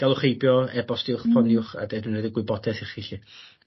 galwch heibio e-bostiwch ffoniwch a roid y gwybodeth i chi 'lly.